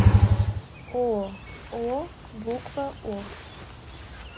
о о буква о